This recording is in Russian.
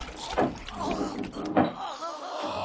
автомобильный город